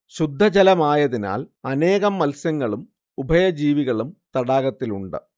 ശുദ്ധജലമായതിനാൽ അനേകം മത്സ്യങ്ങളും ഉഭയ ജീവികളും തടാകത്തിലുണ്ട്